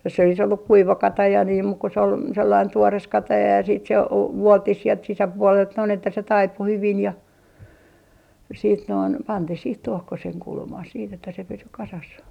jos se olisi ollut kuiva kataja niin mutta se oli sellainen tuore kataja ja sitten se - vuoltiin sieltä sisäpuolelta noin että se taipui hyvin ja sitten noin pantiin siihen tuokkosen kulmaan sitten että se pysyi kasassa